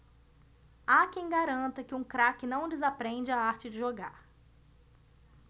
há quem garanta que um craque não desaprende a arte de jogar